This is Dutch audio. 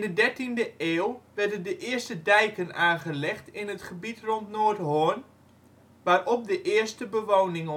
In de 13e eeuw werden de eerste dijken aangelegd in het gebied rond Noordhorn, waarop de eerste bewoning